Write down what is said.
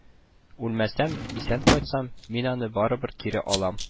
Үлмәсәм, исән кайтсам, мин аны барыбер кире алам